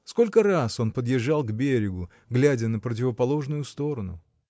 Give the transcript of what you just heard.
Сколько раз он подъезжал к берегу, глядя на противоположную сторону!